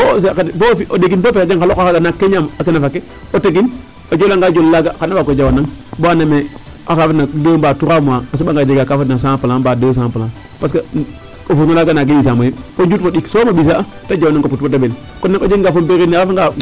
Bo a ɗegin bo pare a jang xa loq axaaga naak ke ñaam xa naf ake o tegin o jolanga jol laaga xan a waag o jawanang bo ande a xawna deux a trois mois a soɓanga jega kaa fadna deux plan mbaat trois plan parce que o fourneaux laga nangee ɓisaa mayu fo njuuɗ fo ɗik soom a ɓisaa ta jawanong a put bata ɓel kon nak o jeganga fo a refanga.